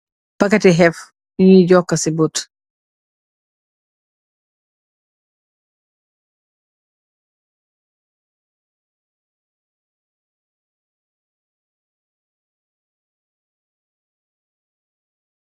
Packet tou heff bounye jokkou ci bot